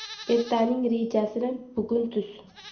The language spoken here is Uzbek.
ertaning rejasini bugun tuz